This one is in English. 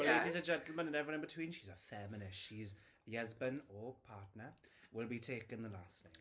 Ladies and gentlemen and everyone in between, she's a feminist, she's... the husband or partner will be taking the last name.